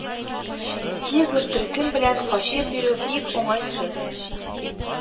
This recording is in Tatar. Ки зур төркем белән качып йөрү бик уңайсыз